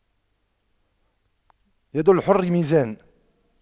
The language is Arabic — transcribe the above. يد الحر ميزان